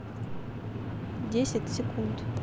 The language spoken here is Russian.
десять секунд